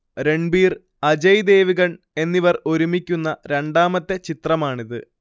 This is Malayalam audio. രൺബീർ അജയ് ദേവ്ഗൺ എന്നിവർ ഒരുമിക്കുന്ന രണ്ടാമത്തെ ചിത്രമാണിത്